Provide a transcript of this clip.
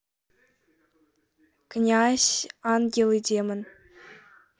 князь ангел и демон